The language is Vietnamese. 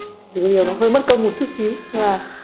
chỉ có điều là hơi mất công một chút xíu